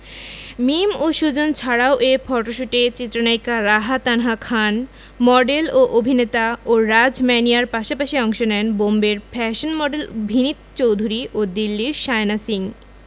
মিম ও সুজন ছাড়াও এ ফটোশ্যুটে চিত্রনায়িকা রাহা তানহা খান মডেল ও অভিনেতা ও রাজ ম্যানিয়ার পাশাপাশি অংশ নেন বোম্বের ফ্যাশন মডেল ভিনিত চৌধুরী ও দিল্লির শায়না সিং